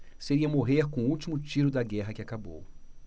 seria morrer com o último tiro da guerra que acabou